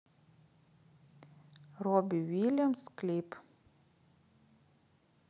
робби уильямс клип